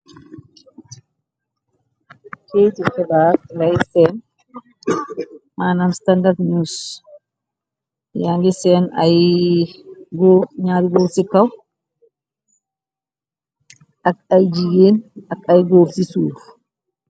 Keyti xebaar lay feem maanam standard news. Yaa ngi seen ay r ñaari góor ci kaw ak ay jigéen ak ay góor ci suuf.